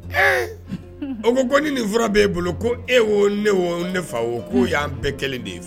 Ee o ko kɔnɔni nin fura bɛ'e bolo ko e ne ne fa o k'o y'an bɛɛ kelen de ye